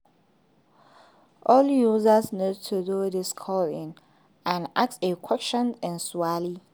All users need to do is call in and ask a question in Swahili.